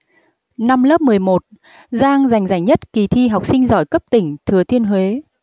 năm lớp mười một giang giành giải nhất kỳ thi học sinh giỏi cấp tỉnh thừa thiên huế